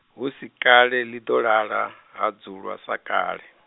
hu si kale ḽi ḓo lala, ha dzulwa sa kale.